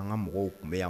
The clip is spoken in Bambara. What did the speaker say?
An ka mɔgɔw tun bɛ yan